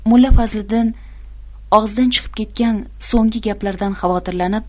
mulla fazliddin og'zidan chiqib ketgan so'nggi gaplardan xavotirlanib